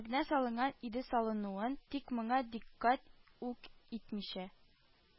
Нә салынган иде салынуын, тик, моңа дикъкать үк итмичә,